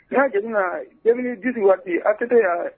N'i y'a 2010 waati ATT y'a